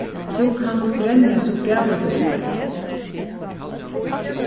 tú kanst grenja so galið tú vilt